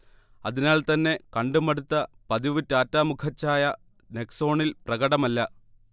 അതിനാൽതന്നെ കണ്ടുമടുത്ത പതിവ് ടാറ്റ മുഖഛായ നെക്സോണിൽ പ്രകടമല്ല